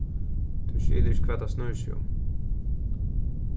tú skilir ikki hvat tað snýr seg um